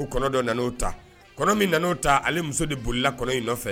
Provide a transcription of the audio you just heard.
Kɔnɔtɔn nan'o ta kɔnɔ min na'o ta ale muso de b bolila kɔnɔ in nɔfɛ